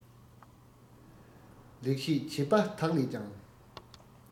ལེགས བཤད བྱིས པ དག ལས ཀྱང